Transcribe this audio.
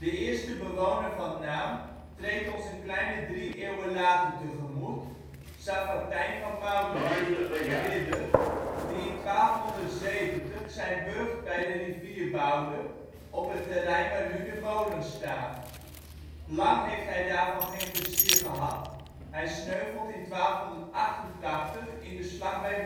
eerste bewoner van naam treedt ons een kleine drie eeuwen later tegemoet: Saffatijn van Mauderic, ridder, die in 1270 zijn burcht bij de rivier bouwde (op het terrein waar nu de molen staat). Lang heeft hij daarvan geen plezier gehad: hij sneuvelt in 1288 in de Slag bij Woeringen